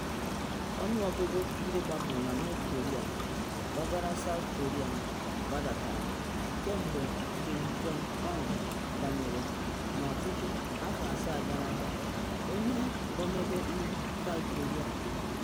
Ọnụọgụ ndị gbapụrụ na North Korea gbagara South Korea agbadaala kemgbe Kim Jong-un banyere n’ọchịchị afọ asaa gara aga, onye ọmebe iwu South Korea kwuru.